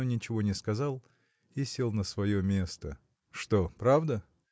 но ничего не сказал и сел на свое место. – Что, правда?